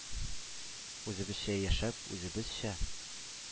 Үзебезчә яшәп, үзебезчә